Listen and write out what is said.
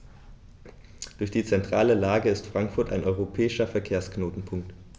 Durch die zentrale Lage ist Frankfurt ein europäischer Verkehrsknotenpunkt.